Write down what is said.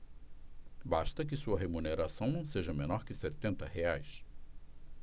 basta que sua remuneração não seja menor que setenta reais